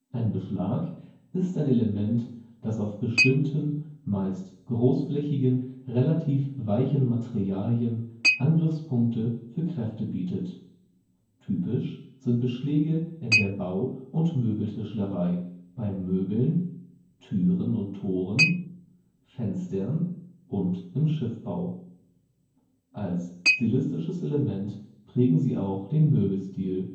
Ein Beschlag ist ein Element, das auf bestimmten meist großflächigen relativ weichen Materialien Angriffspunkte für Kräfte bietet. Typisch sind Beschläge in der Bau - und Möbeltischlerei bei Möbeln, Türen und Toren, Fenstern und im Schiffbau. Als stilistisches Element prägen sie auch den Möbelstil